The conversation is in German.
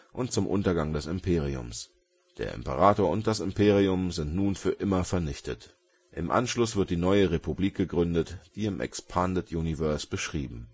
und zum Untergang des Imperiums. Der Imperator und das Imperium sind nun für immer vernichtet. Im Anschluss wird die Neue Republik gegründet, wie im „ Expanded Universe “beschrieben